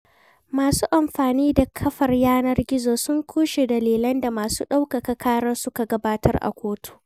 Masu amfani da kafar yanar gizo sun kushe dalilan da masu ɗaukaka ƙarar suka gabatar a kotu.